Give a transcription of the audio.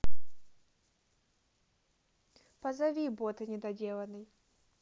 позови бот недоделанный